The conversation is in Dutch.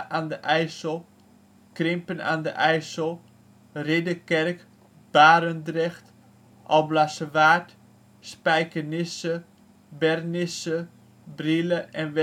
aan den IJssel, Krimpen aan den IJssel, Ridderkerk, Barendrecht, Albrandswaard, Spijkenisse, Bernisse, Brielle en